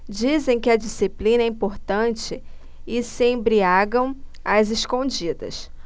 dizem que a disciplina é importante e se embriagam às escondidas